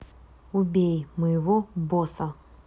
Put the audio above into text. убей моего босса